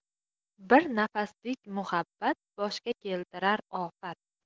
bir nafaslik muhabbat boshga keltirar ofat